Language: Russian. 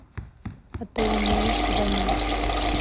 а ты умеешь звонить